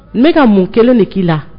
Ne bɛ ka mun kelen de k'i la